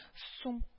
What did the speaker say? Сум